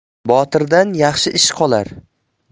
botirdan yaxshi ish